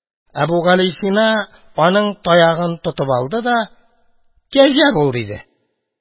Әбүгалисина аның таягын тотып алды да Кәҗә бул! – диде.